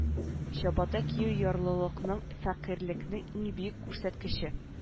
Чабата кию ярлылыкның фәкыйрьлекнең иң бөек күрсәткече